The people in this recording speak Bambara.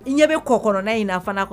Ɲɛ bɛ kɔ kɔnɔnana in na fana kɔnɔ